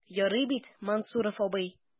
Ярый бит, Мансуров абый?